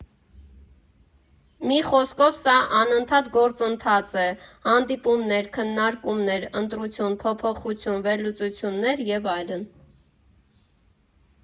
Մի խոսքով, սա անընդհատ գործընթաց է, հանդիպումներ, քննարկումներ, ընտրություն, փոփոխություն, վերլուծություններ և այլն։